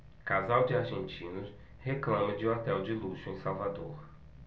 casal de argentinos reclama de hotel de luxo em salvador